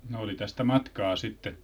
no oli tästä matkaa sitten